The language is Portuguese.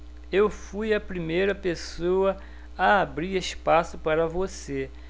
eu fui a primeira pessoa a abrir espaço para você